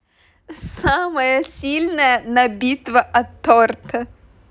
самая сильная на битва от торта